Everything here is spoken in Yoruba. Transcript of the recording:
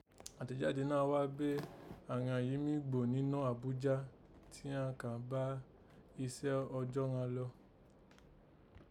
Àtẹ̀jáde náà ghá bẹ̀ àghan yìí mí gbó nínọ́ Àbújá jí an ká bá isẹ́ òòjọ́ ghan lọ